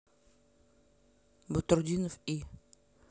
батрутдинов и